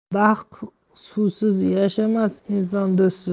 bahq suvsiz yashamas inson do'stsiz